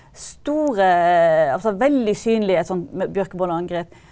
store altså veldig synlige sånne bjørkemåleangrep.